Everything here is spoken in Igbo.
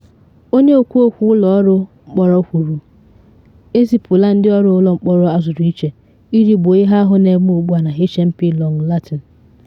Onye okwu okwu Ụlọ Orụ Ụlọ Mkpọrọ kwuru: “Ezipula ndị ọrụ ụlọ mkpọrọ azụrụ iche iji gboo ihe ahụ na eme ugbu a na HMP Long Lartin.